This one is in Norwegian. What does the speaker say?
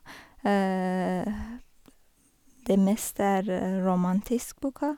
Det meste er romantisk boka.